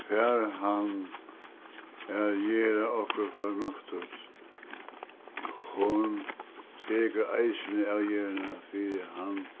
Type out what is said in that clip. fær hann at gera okkurt fornuftigt hon hon tekur eisini avgerðina fyri hann